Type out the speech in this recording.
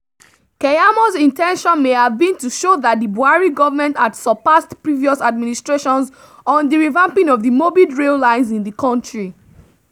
Keyamo's intention may have been to show that the Buhari government had surpassed previous administrations on the revamping of the morbid rail lines in the country.